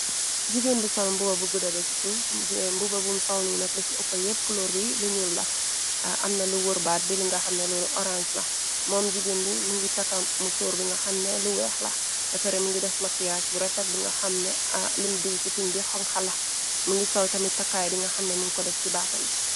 Jigéen bu sol mbuba bu gudda be ci suuf ,mbuba bum sol ni nak lu ci uppa yep kolor bi lu ñuul la amna lu war bat bi li nga xamneh lu orans la. Mom jigeen bi mu ngi takka musór bi nga xamneh xamne lu wèèx la be pareh mu ngi def makiyas bu refet bi nga xamneh lëm diw ci tuñ bi xonxa la mu ngi sol tamit takay bi nga xamneh mun ko def ci batam bi.